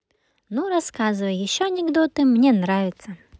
ну рассказывай еще анекдоты мне нравится